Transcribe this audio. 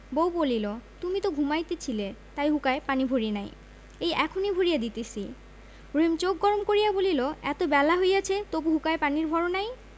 বউ বলিল তুমি তো ঘুমাইতেছিলে তাই হুঁকায় পানি ভরি নাই এই এখনই ভরিয়া দিতেছি রহিম চোখ গরম করিয়া বলিল এত বেলা হইয়াছে তবু হুঁকায় পানির ভর নাই